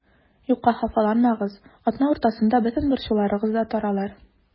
Юкка хафаланмагыз, атна уртасында бөтен борчуларыгыз да таралыр.